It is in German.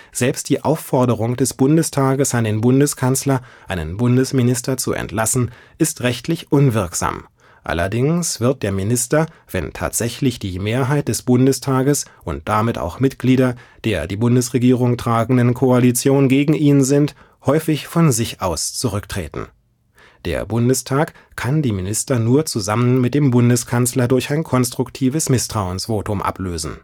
Selbst die Aufforderung des Bundestages an den Bundeskanzler, einen Bundesminister zu entlassen, ist rechtlich unwirksam; allerdings wird der Minister, wenn tatsächlich die Mehrheit des Bundestages und damit auch Mitglieder der die Bundesregierung tragenden Koalition gegen ihn sind, häufig von sich aus zurücktreten. Der Bundestag kann die Minister nur zusammen mit dem Bundeskanzler durch ein konstruktives Misstrauensvotum ablösen